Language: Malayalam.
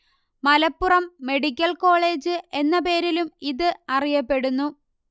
മലപ്പുറം മെഡിക്കൽ കോളേജ് എന്ന പേരിലും ഇത് അറിയപ്പെടുന്നു